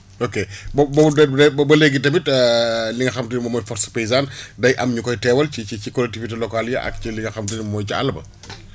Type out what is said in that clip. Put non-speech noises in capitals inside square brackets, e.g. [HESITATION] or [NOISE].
ok boobu boobu ba léegi tamit [HESITATION] li nga xam te ne moom mooy force paysane [BREATH] day am ñu koy teewal ci ci collectivité locales yi ak ci li nga xam te ne mooy ca àll ba [NOISE]